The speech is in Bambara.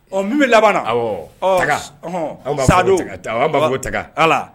Ɔ min bɛ laban, awɔ,